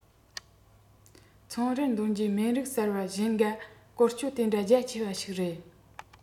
ཚོང རར འདོན རྒྱུའི སྨན རིགས གསར པར གཞན འགའ བཀོལ སྤྱོད དེ འདྲ རྒྱ ཆེ བ ཞིག རེད